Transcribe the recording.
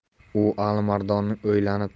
u alimardonning o'ylanib